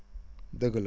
dëgg la